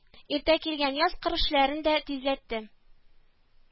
Иртә килгән яз кыр эшләрен дә тизләтте